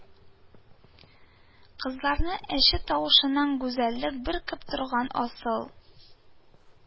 Кызларны, эче-тышыннан гүзәллек бөркеп торган асыл